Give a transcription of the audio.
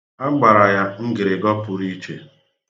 A gbara ya ngịrịgọ pụrụ iche